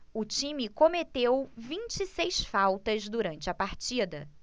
o time cometeu vinte e seis faltas durante a partida